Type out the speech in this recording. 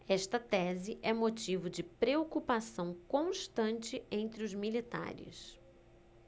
esta tese é motivo de preocupação constante entre os militares